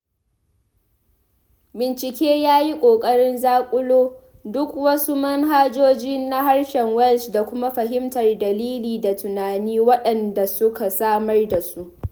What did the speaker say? Binciken ya yi ƙoƙarin zaƙulo duk wasu manhajojin na harshen Welsh da kuma fahimtar dalili da tunanin waɗanda suka samar da su.